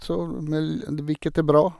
så Hvilket er bra.